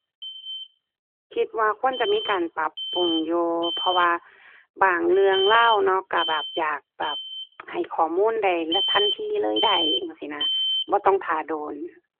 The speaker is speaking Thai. คิดว่าควรจะมีการปรับปรุงอยู่ เพราะว่าบางเรื่องราวเนาะ ก็แบบ อยากแบบ ให้ข้อมูลได้ละทันทีเลยได้จั่งซี้น่ะ บ่ต้องท่าโดน